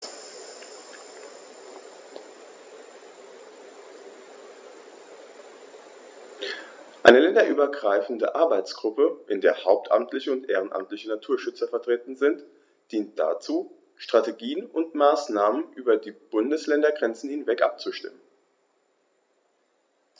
Eine länderübergreifende Arbeitsgruppe, in der hauptamtliche und ehrenamtliche Naturschützer vertreten sind, dient dazu, Strategien und Maßnahmen über die Bundesländergrenzen hinweg abzustimmen.